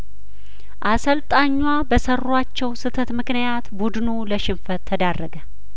አሰልጣኟ በሰሯቸው ስተት ምክንያት ቡድኑ ለሽንፈት ተዳረገ